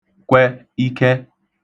kwẹ ik̇ẹ